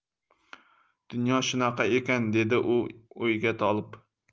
dunyo shunaqa ekan dedi u o'yga tolib